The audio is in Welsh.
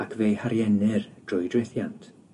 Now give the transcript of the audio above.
ac fe'i hariennir drwy drethiant.